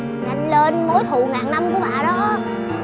nhanh lên mối thù ngàn năm của bà đó